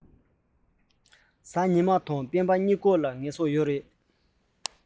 རེས གཟའ ཉི མར དང སྤེན པ གཉིས ཀར སལ གསོ ཡོད རེད